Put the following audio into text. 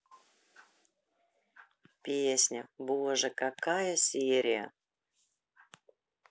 песня боже какая серия